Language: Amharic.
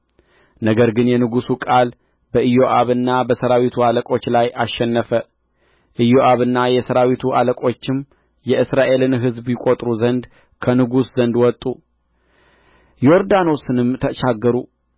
ነገር ግን የንጉሡ ቃል በኢዮአብና በሠራዊቱ አለቆች ላይ አሸነፈ ኢዮአብና የሠራዊቱ አለቆችም የእስራኤልን ሕዝብ ይቈጥሩ ዘንድ ከንጉሥ ዘንድ ወጡ ዮርዳኖስንም ተሻገሩ